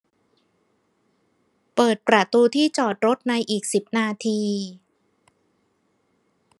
เปิดประตูที่จอดรถในอีกสิบนาที